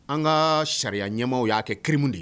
An ka sariya ɲɛw y'a kɛrim ye